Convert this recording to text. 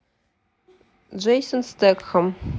джейсон стэтхэм